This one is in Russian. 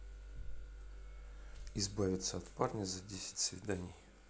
избавиться от парня за десять свиданий